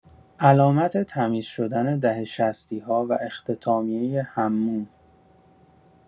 علامت تمیز شدن دهه شصتی‌ها و اختتامیه حموم